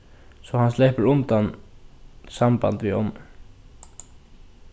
so hann sleppur undan samband við onnur